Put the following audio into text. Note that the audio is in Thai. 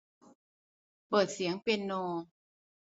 เปิดเสียงเปียโน